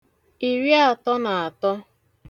ìriātọ̄ nà àtọ